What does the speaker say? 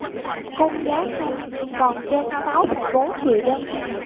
cung giá xanh còn trên sáu phẩy bốn triệu đơn vị